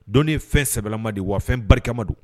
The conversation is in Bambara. Don ye fɛn sɛbɛ ma de wa fɛn barikama don